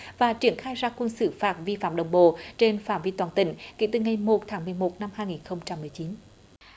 và triển khai ra quân xử phạt vi phạm đồng bộ trên phạm vi toàn tỉnh kể từ ngày một tháng mười một năm hai nghìn không trăm mười chín